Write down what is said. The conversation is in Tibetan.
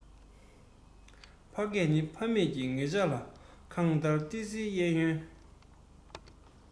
ཕ སྐད ནི ཕ མེས ཀྱིས ངེད ཅག ལ གངས དཀར ཏི སིའི གཡས གཡོན